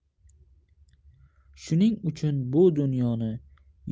shuning uchun bu